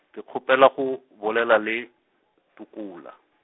ke kgopela go, bolela le, Tukela.